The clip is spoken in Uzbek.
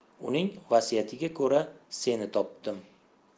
uning vasiyatiga ko'ra seni topdim